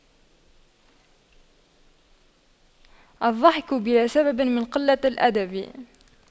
الضحك بلا سبب من قلة الأدب